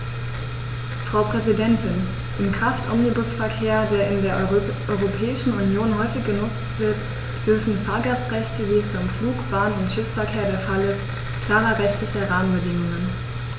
Frau Präsidentin, im Kraftomnibusverkehr, der in der Europäischen Union häufig genutzt wird, bedürfen Fahrgastrechte, wie es beim Flug-, Bahn- und Schiffsverkehr der Fall ist, klarer rechtlicher Rahmenbedingungen.